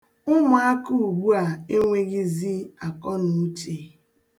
Ụmụaka ugbua enweghịzị akọnuuche.